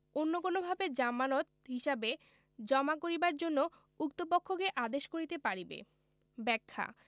অন্য কোনভাবে জামানত হিসাবে জমা করিবার জন্য উক্ত পক্ষকে আদেশ করিতে পারিবে ব্যাখ্যা